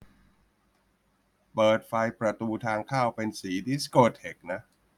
เปิดไฟประตูทางเข้าเป็นสีดิสโก้เทคนะ